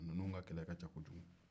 ninnu ka kɛlɛ ka kojugu